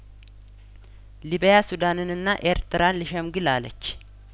ሊቢያሱዳንንና ኤርትራን ልሸምግል አለች